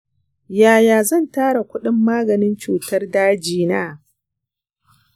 yaya zan tara kuɗin maganin cutar daji na?